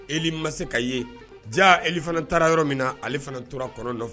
E ma se ka ye jaa e fana taara yɔrɔ min na ale fana tora kɔnɔn nɔfɛ